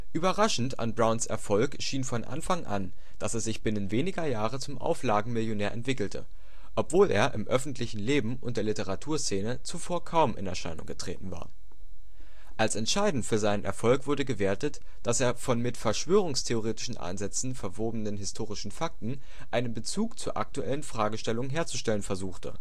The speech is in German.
Überraschend an Browns Erfolg schien von Anfang an, dass er sich binnen weniger Jahre zum Auflagenmillionär entwickelte, obwohl er im öffentlichen Leben und der Literaturszene zuvor kaum in Erscheinung getreten war. Als entscheidend für seinen Erfolg wurde gewertet, dass er von mit verschwörungstheoretischen Ansätzen verwobenen historischen Fakten einen Bezug zu aktuellen Fragestellungen herzustellen versuchte